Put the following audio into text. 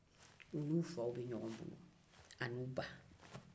u n'u fa n'u ba bɛ ɲɔgɔn bolo